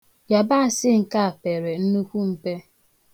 Yabaasị nke a pere nnukwu mpe.